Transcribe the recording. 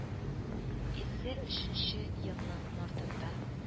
Илле өченче елның мартында